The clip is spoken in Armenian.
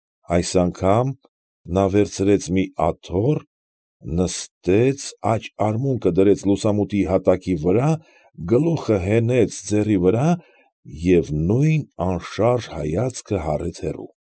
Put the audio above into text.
Այս անգամ նա վերցրեց մի աթոռ, նստեց, աջ արմունկը դրեց լուսամուտի հատակի վրա, գլուխը հենեց ձեռքի վրա և նույն անշարժ հայացքը հառեց հեռու։